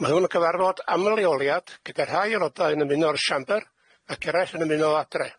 Ma' hwn yn cyfarfod am leoliad gyda rhai aeloda yn ymuno o'r siambr ac eraill yn ymuno o adre.